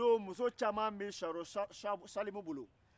o don muso caman be siyanro salimu bolo